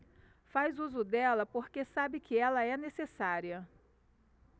faz uso dela porque sabe que ela é necessária